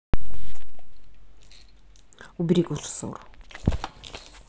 убери курсор